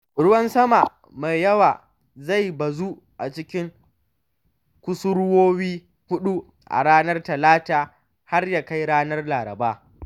Ruwan sama mai yawa zai bazu a cikin Kusurwowi Huɗu a ranar Talata har ya kai ranar Laraba.